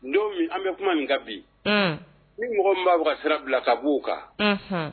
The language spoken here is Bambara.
Ni an bɛ kuma min ka bi ni mɔgɔ b'a ka sira bila ka b'u kan